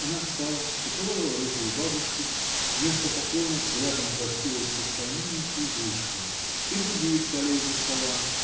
Она встала, поцеловала руку у бабушки, вместо поклона взглядом простилась с остальными и вышла. И другие встали из-за стола.